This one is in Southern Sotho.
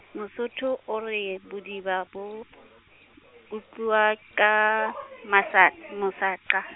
Mosotho o re bodiba bo , utluwa ka , masa-, mosaqa.